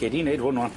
Gei di neud hwn ŵan.